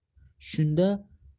shunda to'satdan yana